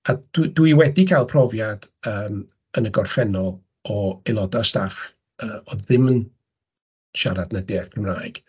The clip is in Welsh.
A dwi dwi wedi cael profiad yn y gorffennol o aelodau staff yy oedd ddim yn siarad na deall Cymraeg...